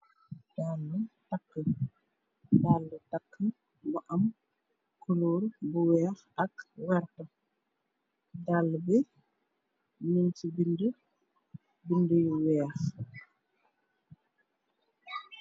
Daale takk, daale takk bu am culur bu weex, ak werta, daale bi nyun ci binde, binde yu weex.